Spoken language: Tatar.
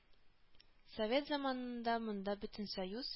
Совет заманында монда Бөтенсоюз